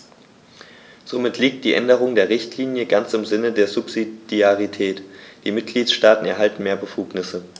Somit liegt die Änderung der Richtlinie ganz im Sinne der Subsidiarität; die Mitgliedstaaten erhalten mehr Befugnisse.